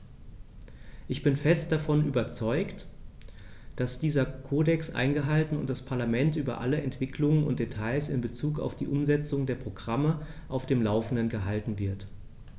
Ich bin fest davon überzeugt, dass dieser Kodex eingehalten und das Parlament über alle Entwicklungen und Details in bezug auf die Umsetzung der Programme auf dem laufenden gehalten wird.